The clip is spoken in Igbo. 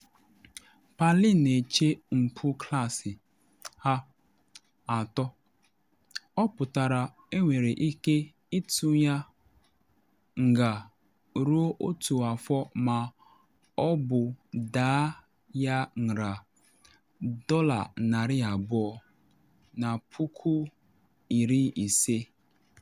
Palin na eche mpụ Klaasị A ato, ọ pụtara enwere ike ịtụ ya nga ruo otu afọ ma ọ bụ daa ya nra $250,000.